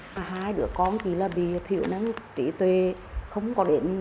cả hai đứa con chị là bị thiểu năng trí tuệ không có đến